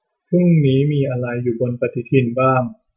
พรุ่งนี้มีอะไรอยู่บนปฎิทินบ้าง